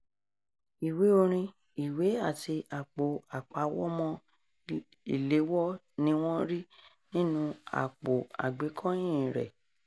Ìwé orin, ìwé àti àpò-àpawómọ́-ìléwọ́ ni wọ́n rí nínú àpò-àgbékọ́yìn-in rẹ̀.